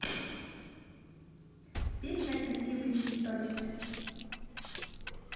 песня красивые цветочки